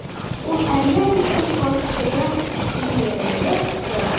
Ул әнә минем каршыда киерелеп тора!